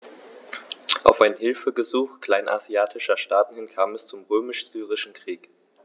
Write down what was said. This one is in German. Auf ein Hilfegesuch kleinasiatischer Staaten hin kam es zum Römisch-Syrischen Krieg.